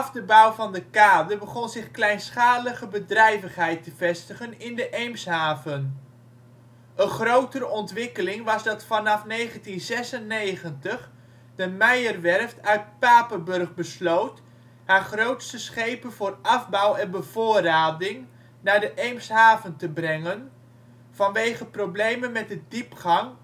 de bouw van de kade begon zich kleinschalige bedrijvigheid te vestigen in de Eemshaven. Een grotere ontwikkeling was dat vanaf 1996 de Meyer Werft uit Papenburg besloot haar grootste schepen voor afbouw en bevoorrading naar de Eemshaven te brengen, vanwege problemen met de